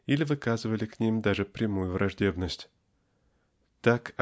или выказывали к ним даже прямую враждебность. Так